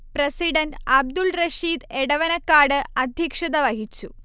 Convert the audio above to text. president Abdul Rashid Edavanakkad അധ്യക്ഷത വഹിച്ചു